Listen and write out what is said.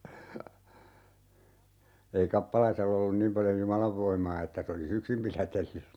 ei kappalaisella ollut niin paljon jumalan voimaa että se olisi yksin pidätellyt sitä